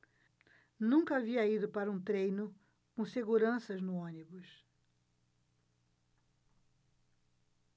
nunca havia ido para um treino com seguranças no ônibus